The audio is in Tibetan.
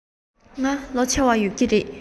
ང ལོ ཆེ བ ཡོད ཀྱི རེད